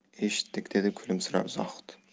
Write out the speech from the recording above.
eshitdik dedi kulimsirab zohid